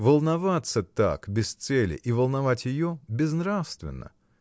Волноваться так, без цели, и волновать ее — безнравственно.